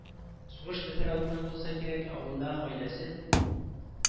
Сугыш бетәр алдыннан булса кирәк, авылдагы гаиләсе